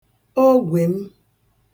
ogwèm